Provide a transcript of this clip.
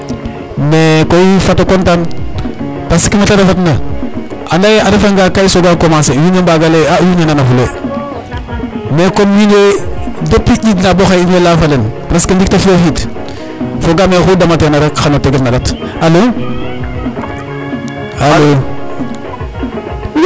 Mais koy fat o content parce que me ta refatna ande a refanga ka i sooga commencer wiin we mbaga lay ee a wiin we i nanafulee mais comme wiin we depuis ƴiid na bo xaye in way layaa fa den presque ndik ta fi' o xiid foogaam ee oxu damateena rek xan a tegel na ƭat .alo, alo